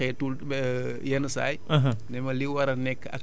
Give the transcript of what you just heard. parce que comme ni ma ko sama góor gi doon waxee tout le yenn saa yi